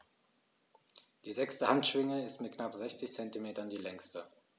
Die sechste Handschwinge ist mit knapp 60 cm die längste.